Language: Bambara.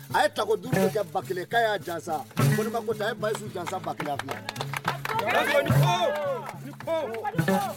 A ye takɔ ba kelen y' jan a yesiw jansa ba kelen